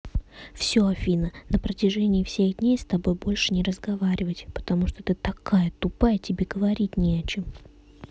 все афина на протяжении всех дней с тобой больше не разговаривать потому что ты такая тупая тебе говорить не о чем